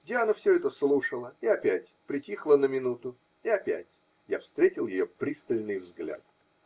Диана все это слушала и опять притихла на минуту, и опять я встретил ее пристальный взгляд.